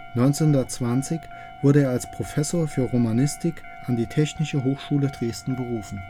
1920 wurde er als Professor für Romanistik an die Technische Hochschule Dresden berufen